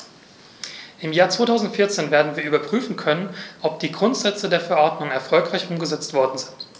Im Jahr 2014 werden wir überprüfen können, ob die Grundsätze der Verordnung erfolgreich umgesetzt worden sind.